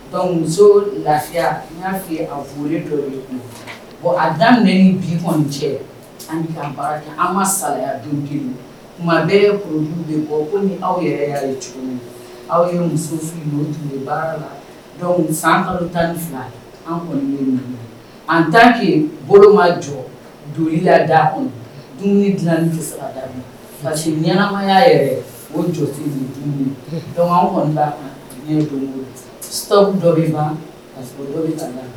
Dɔnku muso lafiya y'a fɔ a dɔ ye a dan bi kɔni cɛ an kɛ an ka saya bɛɛ ye kuluju de bɔ aw yɛrɛ aw ye muso san tan fila an an t kɛ bolo jɔ don la d' a kɔnɔ dila pa ɲmaya yɛrɛ o joti anwa sabu dɔ bɛ ma